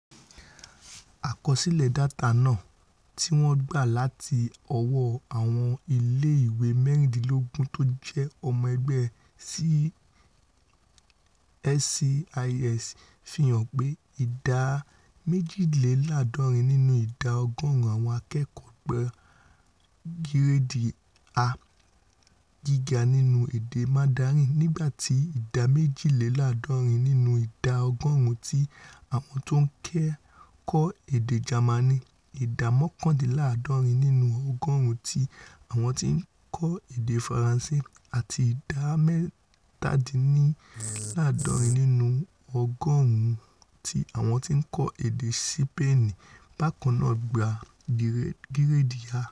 Àkọsilẹ̀ dátà náà, tíwọ́n gbà láti ọwọ́ àwọn ilé ìwé mẹ́rìnléláàádọ́rin tójẹ́ ọmọ ẹgbẹ́ SCIS fihàn pé ìdá méjìléláàádọ́rin nínú ìdá ọgọ́ọ̀rún àwọn akẹ́kọ̀ọ́ gba giredi A Giga nínú èdè Mandarin, nígbà tí ìdá méjìléláàádọ́rin nínú ìdá ọgọ́ọ̀rún ti àwọn tó ńkọ́ èdè Jamani, ìdá mọ́kàndínláàádọ́rin nínú ọgọ́ọ̀rún ti àwọn tó ńkọ́ èdè Faranṣe, àti ìdá mẹ́tàdínláàádọ́rin nínú ọgọ́ọ̀rún ti àwọn tó ńkọ́ èdè Sipeeni bákannáà gba giredi A.